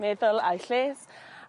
meddwl a'u lles.